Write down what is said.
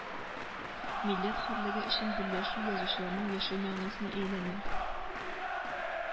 Милләт хөрлеге өчен берләшү язучыларның яшәү мәгънәсенә әйләнә